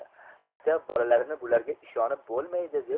maktab bolalarini bularga ishonib bo'lmaydi deb